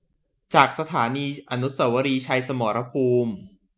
จากสถานีอนุสาวรีย์ชัยสมรภูมิ